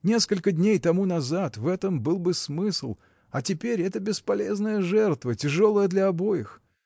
Несколько дней тому назад в этом был бы смысл, а теперь это бесполезная жертва, тяжелая для обоих.